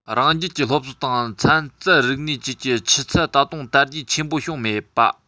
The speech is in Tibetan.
རང རྒྱལ གྱི སློབ གསོ དང ཚན རྩལ རིག གནས བཅས ཀྱི ཆུ ཚད ད དུང དར རྒྱས ཆེན པོ བྱུང མེད པ